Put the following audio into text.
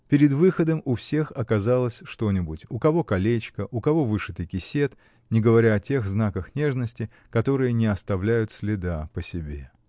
Перед выходом у всех оказалось что-нибудь: у кого колечко, у кого вышитый кисет, не говоря о тех знаках нежности, которые не оставляют следа по себе.